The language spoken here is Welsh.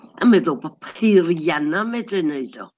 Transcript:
A meddwl bo' peiriannau'n medru wneud o.